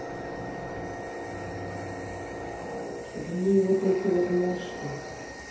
в ней вот эти вот мошки